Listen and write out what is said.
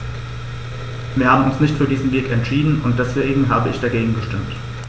Wir haben uns nicht für diesen Weg entschieden, und deswegen habe ich dagegen gestimmt.